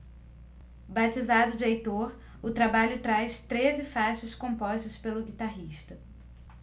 batizado de heitor o trabalho traz treze faixas compostas pelo guitarrista